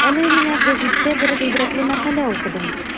Әле менә гәзиттә бер гыйбрәтле мәкалә укыдым.